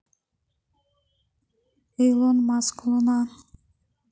илон маск луна